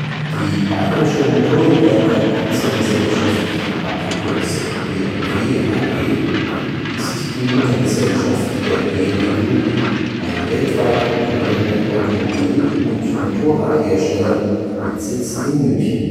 Die Bayerische Motoren Werke Aktiengesellschaft (BMW AG) ist die Muttergesellschaft der BMW Group, einem weltweit operierenden Automobil - und Motorradhersteller mit Sitz in München